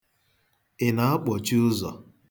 Ị na-akpọchi ụzọ?